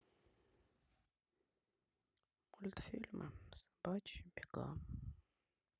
мультфильмы собачьи бега